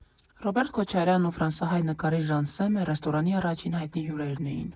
Ռոբերտ Քոչարյանն ու ֆրանսահայ նկարիչ Ժանսեմը ռեստորանի առաջին հայտնի հյուրերն էին։